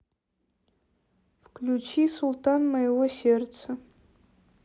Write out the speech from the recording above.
включи султан моего сердца